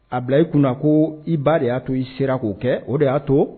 A bila i kunna ko i ba de y'a to i sera k'o kɛ o de y'a to